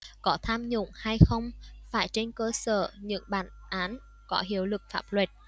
có tham nhũng hay không phải trên cơ sở những bản án có hiệu lực pháp luật